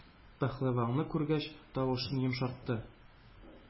Пәһлеванны күргәч, тавышын йомшартты: